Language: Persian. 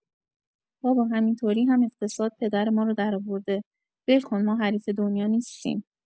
بابا همین طوری هم اقتصاد پدر ما رو درآورده ول‌کن ما حریف دنیا نیستیم.